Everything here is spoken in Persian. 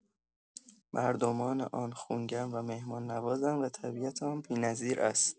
مردمان آن خونگرم و مهمان‌نوازند و طبیعت آن بی‌نظیر است.